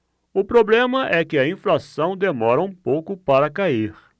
o problema é que a inflação demora um pouco para cair